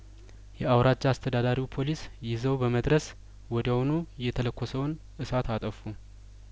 የአውራጃ አስተዳዳሪው ፖሊስ ይዘው በመድረስ ወዲያውኑ የተለኮሰውን እሳት አጠፉ